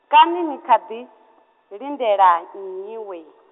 kani ni kha ḓi , lindela nnyi wee ?